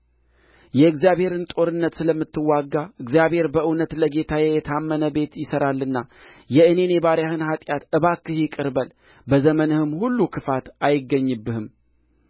የእግዚአብሔርን ጦርነት ስለምትዋጋ እግዚአብሔር በእውነት ለጌታዬ የታመነ ቤት ይሠራልና የእኔን የባሪያህን ኃጢአት እባክህ ይቅር በል በዘመንህም ሁሉ ክፋት አይገኝብህም